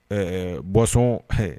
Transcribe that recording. Ɛɛ boisson h